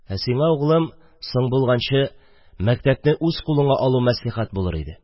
Ә сиңа, углым, соң булганчы, мәктәпне үз кулыңа алу мәслихәт булыр иде...